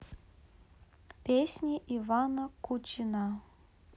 песни ивана кучина